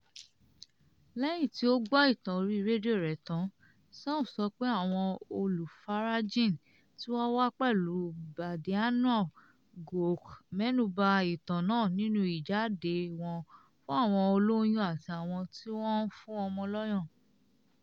Lẹ́yìn tí ó gbọ́ ìtàn orí rédíò rẹ̀ tán, Sow sọ pé àwọn olùfarajìn tí wọ́n wà pẹ̀lú Badianou Guokh mẹ́nuba ìtàn náà nínú ìjáde wọn fún àwọn olóyún àti àwọn tí wọ́n ń fún ọmọ lọ́yàn.